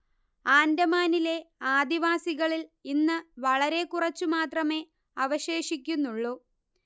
ആൻഡമാനിലെ ആദിവാസികളിൽ ഇന്ന് വളരെക്കുറച്ചുമാത്രമേ അവശേഷിക്കുന്നുള്ളൂ